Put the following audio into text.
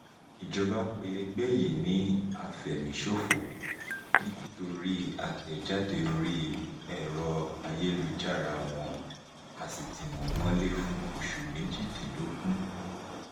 Ìjọba pe ẹgbẹ́ yìí ni "afẹ̀míṣòfò" nítorí àtẹ̀jáde orí ẹ̀rọ-ayélujára wọn a sì ti wọ́n mọ́lé fún oṣù 18.